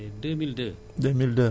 dafa fekk moom li mu wax noonu